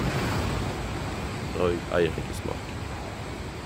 Roy eier ikke smak.